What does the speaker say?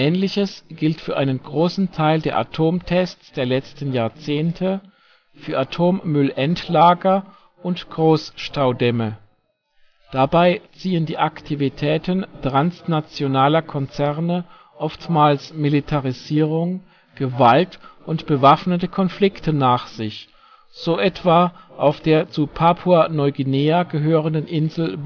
Ähnliches gilt für einen großen Teil der Atomtests der letzten Jahrzehnte, für Atommüllendlager und Großstaudämme. Dabei ziehen die Aktivitäten transnationaler Konzerne oftmals Militarisierung, Gewalt und bewaffnete Konflikte nach sich, so etwa auf der zu Papua-Neuguinea gehörenden Insel